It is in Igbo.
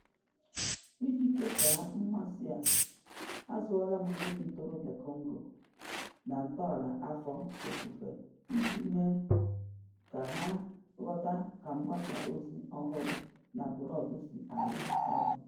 Iji kesaa mmasị a, a zụọla m ndị ntorobịa Kongo na ntọala afọ ofufo iji mee ka ha ghọta ka mgbasa ozi ọhụrụ na blọọgụ si arụ ọrụ.